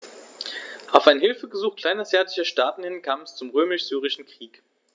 Auf ein Hilfegesuch kleinasiatischer Staaten hin kam es zum Römisch-Syrischen Krieg.